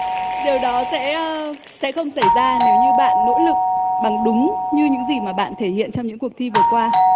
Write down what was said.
điều đó sẽ sẽ không xảy ra nếu như bạn nỗ lực bằng đúng như những gì mà bạn thể hiện trong những cuộc thi vừa qua